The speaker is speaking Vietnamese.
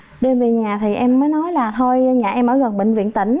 đưa em về nhà thì em mới nói là thôi nhà em ở gần bệnh viện tỉnh